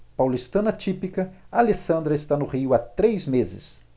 paulistana típica alessandra está no rio há três meses